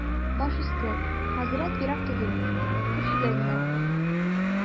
Баш өсте, хәзрәт, ерак түгел, күршедә генә.